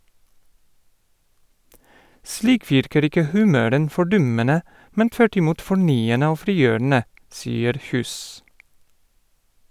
Slik virker ikke humoren fordummende, men tvert imot fornyende og frigjørende, sier Kjus.